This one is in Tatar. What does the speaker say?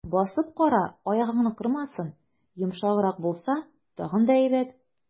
Басып кара, аягыңны кырмасын, йомшаграк булса, тагын да әйбәт.